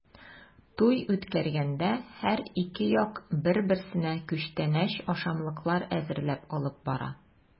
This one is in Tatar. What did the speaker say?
Туй үткәргәндә һәр ике як бер-берсенә күчтәнәч-ашамлыклар әзерләп алып бара.